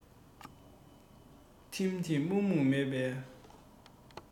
ཐིབ ཐིབ སྨུག སྨུག མེད པའི